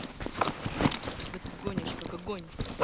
дай ты горишь как огонь